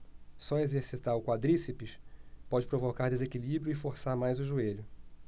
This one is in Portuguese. só exercitar o quadríceps pode provocar desequilíbrio e forçar mais o joelho